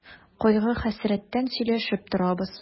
Кайгы-хәсрәттән сөйләшеп торабыз.